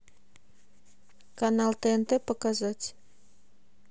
канал тнт показать